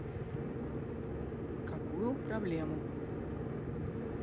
какую проблему